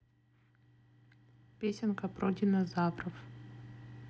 песенка про динозавров